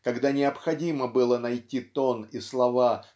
когда необходимо было найти тон и слова